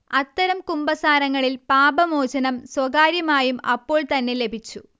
അത്തരം കുമ്പസാരങ്ങളിൽ പാപമോചനം സ്വകാര്യമായും അപ്പോൾത്തന്നെ ലഭിച്ചു